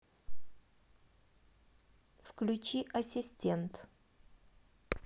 включи ассистент